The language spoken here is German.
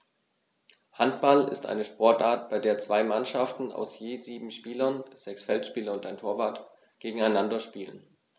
Handball ist eine Sportart, bei der zwei Mannschaften aus je sieben Spielern (sechs Feldspieler und ein Torwart) gegeneinander spielen.